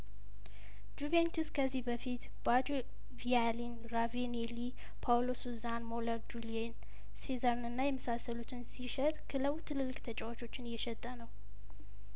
ጁቬንትስ ከዚህ በፊት ባጅዮ ቪያሊን ራቬኔሊ ፓውሎ ሱዛን ሞለር ጁልዬ ሴዛርንና የመሳሰሉትን ሲሸጥ ክለቡ ትልልቅ ተጫዋቾችን እየሸጠ ነው